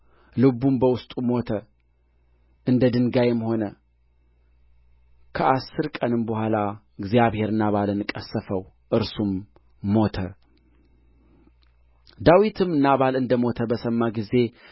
ልቡም በውስጡ ሞተ እንደ ድንጋይም ሆነ ከአሥር ቀንም በኋላ እግዚአብሔር ናባልን ቀሠፈው እርሱም ሞተ ዳዊትም ናባል እንደ ሞተ በሰማ ጊዜ